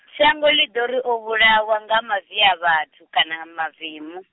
shango ḽi ḓo ri o vhulawa nga maviavhathu, kana mavemu.